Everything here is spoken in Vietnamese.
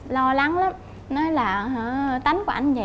lo lắng lắm nói là hà tánh của anh